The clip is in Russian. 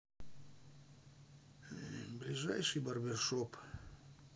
ближайший барбершоп